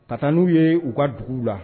Ka taa n'u ye u ka dugu la